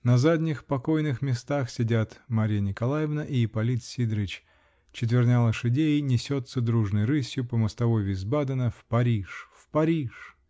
На задних, покойных местах сидят Марья Николаевна и Ипполит Сидорыч -- четверня лошадей несется дружной рысью по мостовой Висбадена -- в Париж! в Париж!